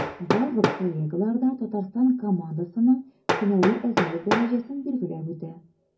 Барлык коллегалар да Татарстан командасының һөнәри әзерлек дәрәҗәсен билгеләп үтә.